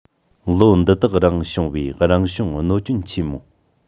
ལོ འདི དག རིང བྱུང བའི རང བྱུང གནོད སྐྱོན ཆེན མོ